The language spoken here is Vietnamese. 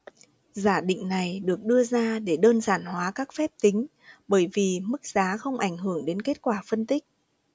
giả định này được đưa ra để đơn giản hóa các phép tính bởi vì mức giá không ảnh hưởng đến kết quả phân tích